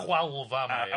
Y chwalfa yma...